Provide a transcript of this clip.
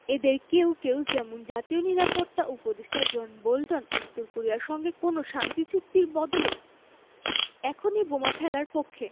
এঁদের কেউ কেউ যেমন জাতীয় নিরাপত্তা উপদেষ্টা জন বোল্টন উত্তর কোরিয়ার সঙ্গে কোনো শান্তি চুক্তির বদলে এখনই বোমা ফেলার পক্ষে